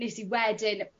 nes i wedyn